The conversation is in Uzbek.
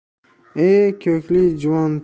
e ko'hlik juvon tilla